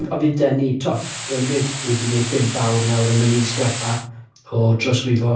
Ond fydd 'da ni... tibod fel fi'n gweud ni 'di wneud pump awr nawr yn y mis diwethaf diwethaf o drawsgrifo